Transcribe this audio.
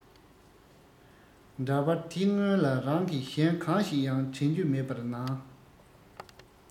འདྲ པར དེ སྔོན ལ རང གི གཞན གང ཞིག ཡང དྲན རྒྱུ མེད པར ནང